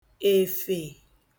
èfè